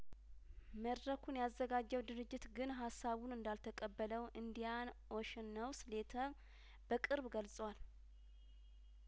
መድረኩን ያዘጋጀው ድርጅት ግን ሀሳቡን እንዳልተቀበለው እንዲያን ኦሽን ነው ስሌተር በቅርብ ገልጿል